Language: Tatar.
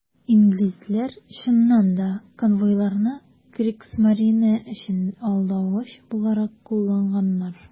Инглизләр, чыннан да, конвойларны Кригсмарине өчен алдавыч буларак кулланганнар.